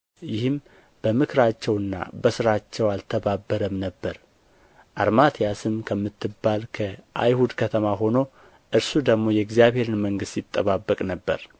ይህም በምክራቸውና በሥራቸው አልተባበረም ነበር አርማትያስም ከምትባል ከአይሁድ ከተማ ሆኖ እርሱ ደግሞ የእግዚአብሔርን መንግሥት ይጠባበቅ ነበር